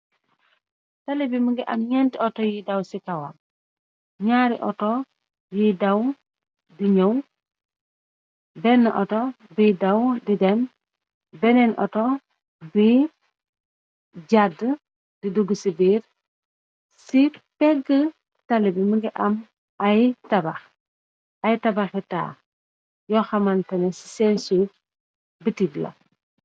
tali bi më ngi am ñenti auto yiy daw ci kawam ñaari auto yiy daw di ñëw benn auto biy daw di dem benneen auto biy jàdd di dugg ci biir ci pégg tali bi mëngi am ay tabaxi taax yo xamantene ci seensuf bitig la